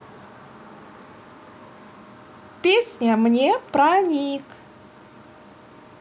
песня мне проник